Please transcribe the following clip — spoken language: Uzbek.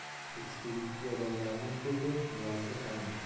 ekspeditsiyadagilarning ko'pi niyozni tanimaydi